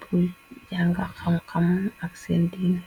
pul jàng xam-xam ak seen diine.